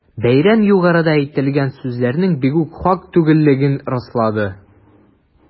Бәйрәм югарыда әйтелгән сүзләрнең бигүк хак түгеллеген раслады.